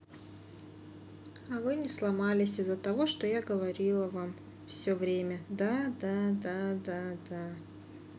а вы не сломались из за того что я говорила вам все время да да да да да